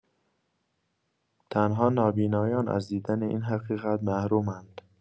تنها نابینایان از دیدن این حقیقت محرومند.